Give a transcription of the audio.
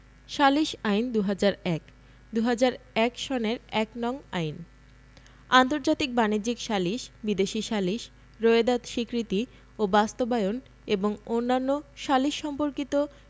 সালিস আইন ২০০১ ২০০১ সনের ১নং আইন আন্তর্জাতিক বাণিজ্যিক সালিস বিদেশী সালিসী রোয়েদাদ স্বীকৃতি ও বাস্তবায়ন এবং অন্যান্য সালিস সম্পর্কিত